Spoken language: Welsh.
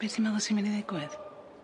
Be' ti'n meddwl sy myn' i ddigwydd?